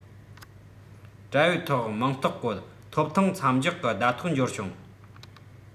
དྲ བའི ཐོག མིང རྟགས བཀོད ཐོབ ཐང མཚམས འཇོག གི བརྡ ཐོ འབྱོར བྱུང